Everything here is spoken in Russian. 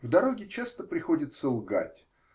В дороге часто приходится лгать.